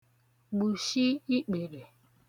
gbùshi ikpèrè